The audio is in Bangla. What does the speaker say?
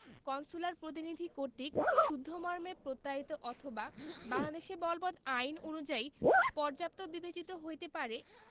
কনস্যুলার প্রতিনিধি কর্তৃক শুদ্ধ মর্মে প্রত্যায়িত অথবা বাংলাদেশে বলবৎ আইন অনুযায়ী পর্যাপ্ত বিবেচিত হইতে পারে